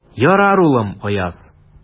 Ярар, улым, Аяз.